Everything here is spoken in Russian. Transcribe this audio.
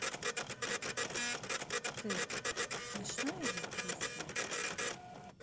ты смешной или грустный